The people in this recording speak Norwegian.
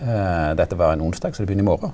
dette var ein onsdag så det begynner i morgon.